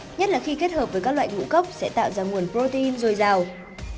nhất là khi kết hợp với các loại ngũ cốc sẽ tạo ra nguồn pờ rô tê in dồi dào